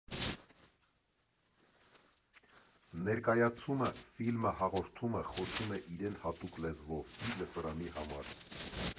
Ներկայացումը, ֆիլմը, հաղորդումը խոսում է իրեն հատուկ լեզվով՝ իր լսարանի համար։